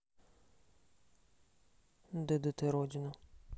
ддт родина